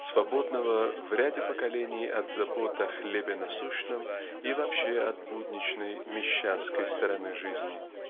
свободного в ряде поколений от забот о хлебе насущном и вообще от будничной "мещанской" стороны жизни.